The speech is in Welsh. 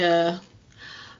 Ie.